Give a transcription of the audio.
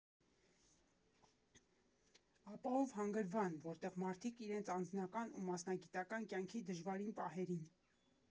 Ապահով հանգրվան, որտեղ մարդիկ իրենց անձնական և մասնագիտական կյանքի դժվարին պահերին։